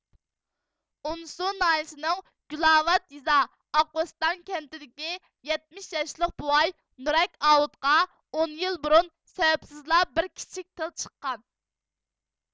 ئونسۇ ناھىيىسىنىڭ گۈلاۋات يېزا ئاقئۆستەڭ كەنتىدىكى يەتمىش ياشلىق بوۋاي نۇرەك ئاۋۇتقا ئون يىل بۇرۇن سەۋەبسىزلا بىر كىچىك تىل چىققان